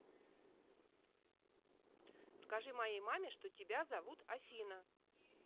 скажи моей маме что тебя зовут афина